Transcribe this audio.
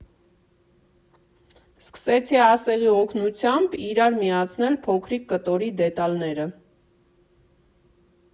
Սկսեցի ասեղի օգնությամբ իրար միացնել փոքրիկ կտորի դետալները։